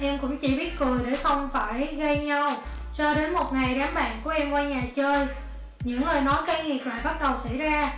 em cũng chỉ biết cười để không phải gây nhau cho đến một ngày đám bạn của em qua nhà chơi những lời nói cay nghiệt lại bắt đầu xảy ra